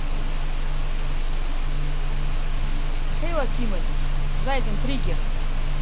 михаил акимович зайден триггер